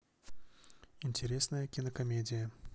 интересное кино комедия